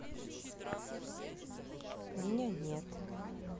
у меня нет